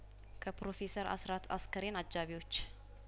ከፕሮፌሰር አስራት አስከሬን አጃቢዎች